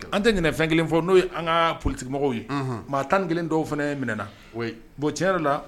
An tɛ fɛn ɲinɛ kelen kɔ n'o ye an ka politique mɔgɔw ye, unhun, maa 11 dɔw fana minɛɛ na, oui bo tiɲɛ yɛrɛ la